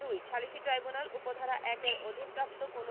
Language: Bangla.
২ সালিসী ট্রাইব্যূনাল উপ ধারা ১ এর অধীন প্রাপ্ত কোন